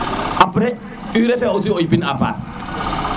apres urée fe aussi o yipan a part